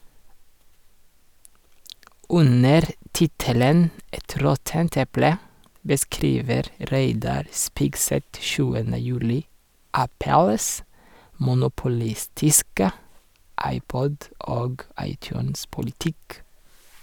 Under tittelen «Et råttent eple» beskriver Reidar Spigseth 7. juli Apples monopolistiske iPod- og iTunes-politikk.